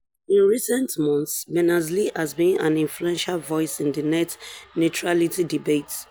In recent months, Berners-Lee has been an influential voice in the net neutrality debate.